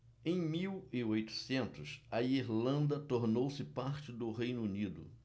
em mil e oitocentos a irlanda tornou-se parte do reino unido